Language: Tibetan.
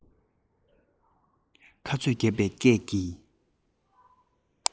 ཁ རྩོད བརྒྱབ པའི སྐད ཀྱིས